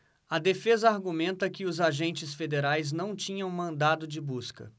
a defesa argumenta que os agentes federais não tinham mandado de busca